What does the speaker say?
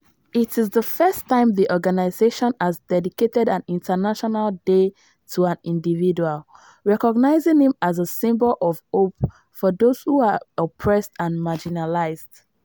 It is the first time the organisation has dedicated an international day to an individual, recognising him as a symbol of hope for those who are oppressed and marginalised.